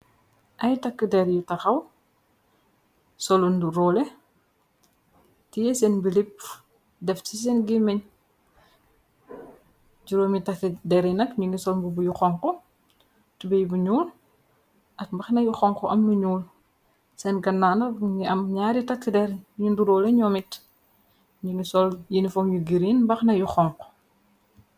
Ay takkeder yu taxaw, solu nduróole, tiye seen belipp, def ci seen ni gemeñ, juroomi takeder yi nak ñu ngi sol mbubu yu xonxu tibey yu ñuul ak mbaxana yu xonxu am lu ñuul, seen gannaaw nak mingi am ñaari takkedeer yu nduróole ñoo mit, ñu ngi sol iniform yu giriin mbaxana yu xonxu.